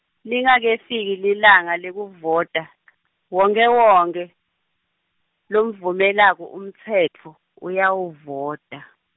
Lingakefiki lilanga lekuvota , wonkhewonkhe, lomvumelako umtsetfo, uyawuvota.